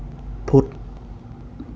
พุธ